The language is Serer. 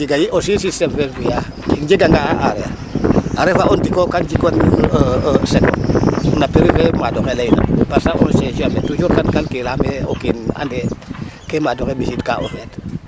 A jaga i aussi systéme fe fi'aa, um jeganga a areer a refa o ndiko kaam jikwan e% seko na prix fe maad oxe layna parce que on sait jamais toujours kaam calcul la me o kiin andee ke maad oxe ɓisiidka o feet.